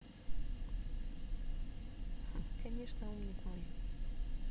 конечно умник мой